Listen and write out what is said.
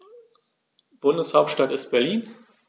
Bundeshauptstadt ist Berlin.